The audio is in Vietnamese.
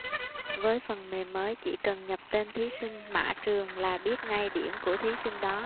với phần mềm mới chỉ cần nhập tên thí sinh mã trường là biết ngay điểm của thí sinh đó